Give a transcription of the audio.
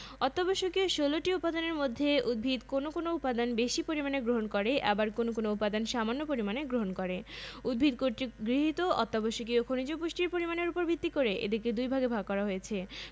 নাইট্রোজেনের অভাব হলে ক্লোরোফিল সৃষ্টি ব্যাহত হয় আর ক্লোরোফিল সৃষ্টি ব্যাহত হলে খাদ্য প্রস্তুত বাধাপ্রাপ্ত হয় খাদ্যপ্রস্তুত বাধাপ্রাপ্ত হলে শ্বসন প্রক্রিয়ায় বিঘ্ন ঘটে এবং শক্তি নির্গমন হ্রাস পায় ম্যাগনেসিয়াম